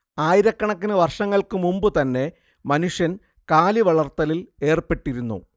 ആയിരക്കണക്കിനു വർഷങ്ങൾക്കു മുമ്പുതന്നെ മനുഷ്യൻ കാലി വളർത്തലിൽ ഏർപ്പെട്ടിരുന്നു